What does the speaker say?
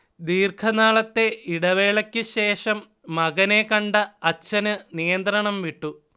ദീർഘനാളത്തെ ഇടവേളയ്ക്കു ശേഷം മകനെ കണ്ട അച്ഛന് നിയന്ത്രണംവിട്ടു